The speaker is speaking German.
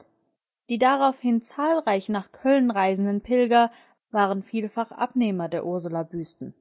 Die daraufhin zahlreich nach Köln reisenden Pilger waren vielfach Abnehmer von Ursulabüsten